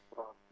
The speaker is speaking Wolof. waaw